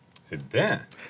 sier du det?